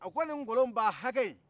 a ko nin kolon ba hakɛ in